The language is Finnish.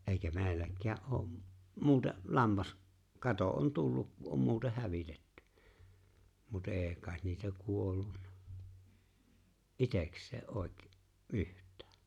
eikä meilläkään ole - muuten - lammaskato on - tullut kun on muuten hävitetty mutta ei kai niitä kuollut itsekseen - yhtään